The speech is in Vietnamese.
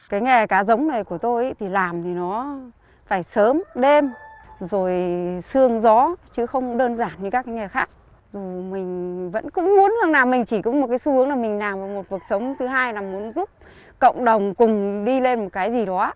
cái nghề cá giống này của tôi thì làm thì nó phải sớm đêm rồi sương gió chứ không đơn giản như các nghề khác mình vẫn cũng muốn là mình chỉ có một cái xu hướng là mình làm một cuộc sống thứ hai là muốn giúp cộng đồng cùng đi lên một cái gì đó